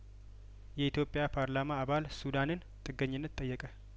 የኢትዮጵያ ፓርላማ አባል ሱዳንን ጥገኝነት ጠየቁ